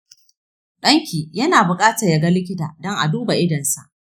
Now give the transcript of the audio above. danki yana bukatan yaga likita don a duba idonsa.